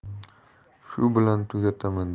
shu bilan tugataman